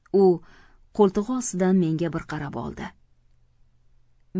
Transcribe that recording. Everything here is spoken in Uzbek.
u qo'ltig'i ostidan menga bir qarab oldi